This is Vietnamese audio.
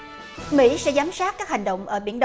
mỹ sẽ giám sát các hành động ở biển